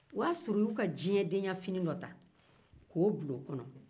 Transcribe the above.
i b'a sɔrɔ u ye u ka diɲɛdenya fini dɔ ta k'o bila o kɔnɔ